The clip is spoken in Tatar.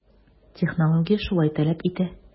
Технология шулай таләп итә.